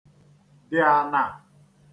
dị̀ ànà